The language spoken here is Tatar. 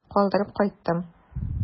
Калдырып кайттым.